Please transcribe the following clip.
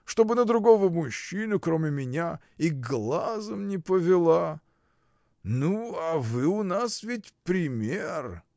чтобы на другого мужчину, кроме меня, и глазом не повела. Ну а вы у нас ведь пример.